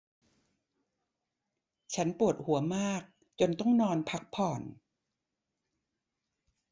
ฉันปวดหัวมากจนต้องนอนพักผ่อน